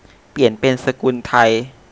เปลี่ยนเป็นสกุลไทย